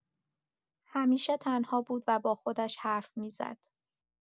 همیشه تنها بود و با خودش حرف می‌زد.